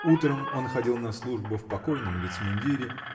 Утром он ходил на службу в покойном вицмундире